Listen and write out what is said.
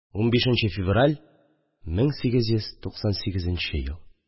5 нче февраль 1898 ел